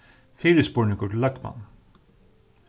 fyrispurningur til løgmann